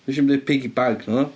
Nes i'm deud piggy bag naddo?